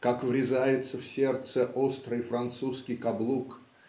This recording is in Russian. Как врезается в сердце острый французский каблук